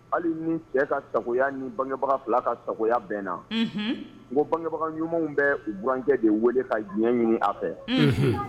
Hali ni cɛ ka sagoya ni bangebaga fila ka sagoya bɛnna, unhun, n ko bangebaga ɲumanw bɛ u burankɛ de wele ka jɛn ɲini a fɛ, unhun